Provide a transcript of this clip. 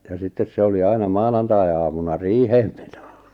ja sitten se oli aina maanantaiaamuna riiheen meno